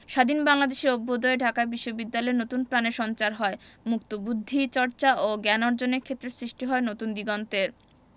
স্বাধীন বাংলাদেশের অভ্যুদয়ে ঢাকা বিশ্ববিদ্যালয়ে নতুন প্রাণের সঞ্চার হয় মুক্তবুদ্ধি চর্চা ও জ্ঞান অর্জনের ক্ষেত্রে সৃষ্টি হয় নতুন দিগন্তের